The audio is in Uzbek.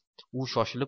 u shoshilib